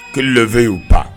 Ki lefɛn y'u pan